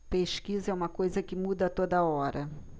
pesquisa é uma coisa que muda a toda hora